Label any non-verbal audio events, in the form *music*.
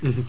*hesitation* *hesitation*